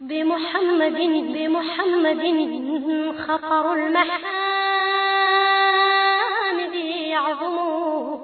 Denmumusoninminilagɛnin yo